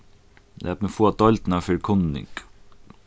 lat meg fáa deildina fyri kunning